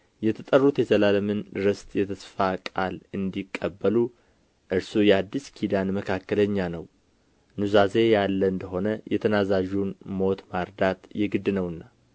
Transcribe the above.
የተጠሩት የዘላለምን ርስት የተስፋ ቃል እንዲቀበሉ እርሱ የአዲስ ኪዳን መካከለኛ ነው ኑዛዜ ያለ እንደሆነ የተናዛዡን ሞት ማርዳት የግድ ነውና